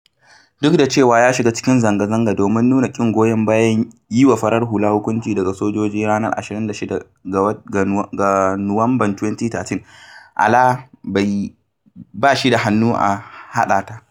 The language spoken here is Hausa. Duk da cewa ya shiga cikin zanga-zanga domin nuna ƙin goyon bayan yi wa fararen hula hukunci daga sojoji ranar 26 ga Nuwamban 2013, Alaa ba shi da hannu a haɗa ta.